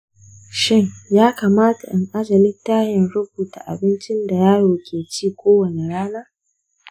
shin ya kamata in ajiye littafin rubuta abincin da yaron ke ci kowace rana?